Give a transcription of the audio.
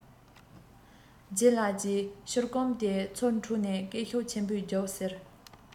ལྗད ལགས ཀྱིས ཕྱུར སྐོམ དེ ཚུར འཕྲོག ནས སྐད ཤུགས ཆེན པོས རྒྱུགས ཟེར